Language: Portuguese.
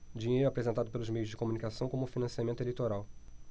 dinheiro apresentado pelos meios de comunicação como financiamento eleitoral